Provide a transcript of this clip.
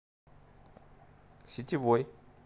сетевой